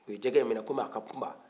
u ye jɛgɛ in minɛ komi a ka kunba